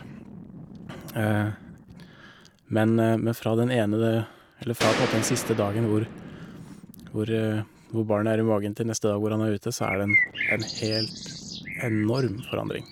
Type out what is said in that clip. men Men fra den ene eller fra på en måte den siste dagen hvor hvor hvor barnet er i magen, til neste dag hvor han er ute, så er det en en helt enorm forandring.